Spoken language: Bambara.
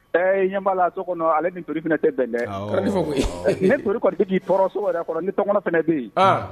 Ɛɛ ɲɛ b'a la so kɔnɔ ale fana ni tori tɛ bɛn dɛ, awɔ, tiɲɛ don koyi, ni tori kɔni bɛ ki tɔɔrɔ so kɔnɔ ni tɔgɔnɔn fana bɛ yen, an!